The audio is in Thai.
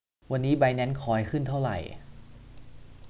วันนี้ไบแนนซ์คอยขึ้นเท่าไหร่